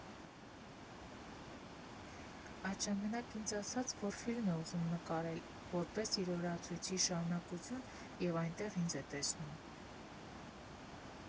Այդ ժամանակ ինձ ասաց, որ ֆիլմ է ուզում նկարել՝ որպես իր «Օրացույցի» շարունակություն և այնտեղ ինձ է տեսնում։